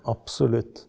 absolutt.